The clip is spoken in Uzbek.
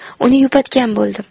uni yupatgan bo'ldim